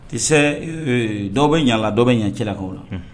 Ti se dɔw bɛ ɲala dɔw bɛ ɲ cɛlalakaw la